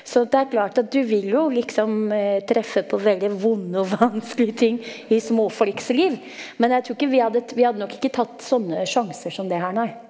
så at det er klart at du vil jo liksom treffe på veldig vonde og vanskelige ting i småfolks liv, men jeg tror ikke vi hadde vi hadde nok ikke tatt sånne sjanser som det her nei.